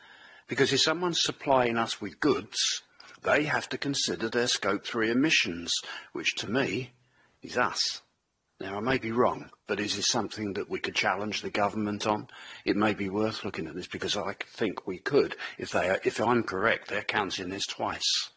Because if someone's supplying us with goods, they have to consider their scope three emissions, which to me, is us. Now I may be wrong but is this something that we could challenge the government on? It may be worth looking at this because I can think we could, if they are, if I'm correct, they're counting this twice.